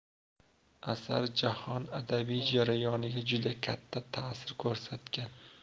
asar jahon adabiy jarayoniga juda katta tasir ko'rsatgan